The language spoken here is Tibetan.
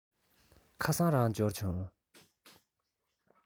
ཁ སང རང འབྱོར བྱུང